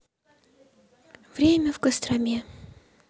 время в костроме